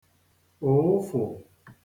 ụ̀ụfụ̀